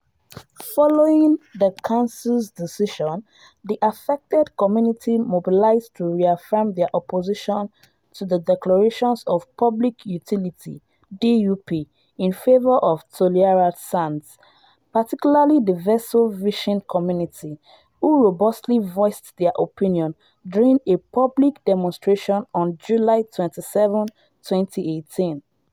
Following [the Council's] decision, the affected communities mobilized to reaffirm their opposition to the Declarations of Public Utility (DUP) in favor of Toliara Sands, particularly the Vezo fishing community, who robustly voiced their opinions … during a public demonstration on July 27, 2018.